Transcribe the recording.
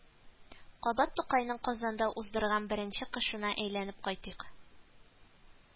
Кабат Тукайның Казанда уздырган беренче кышына әйләнеп кайтыйк